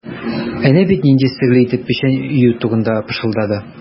Әнә бит нинди серле итеп печән өю турында пышылдады.